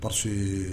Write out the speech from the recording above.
Passer